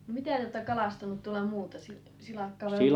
mitä te olette kalastanut tuolla muuta - silakkaa vai -